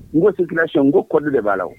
N ko si kilati n ko kɔdi de b'a la